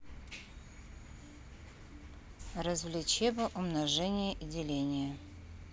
развлечеба умножения и деления